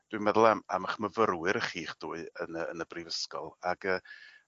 dwi'n meddwl am am 'ych myfyrwyr chi'ch dwy yn u yn y brifysgol ag yy